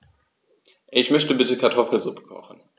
Ich möchte bitte Kartoffelsuppe kochen.